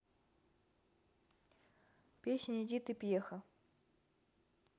песни эдиты пьеха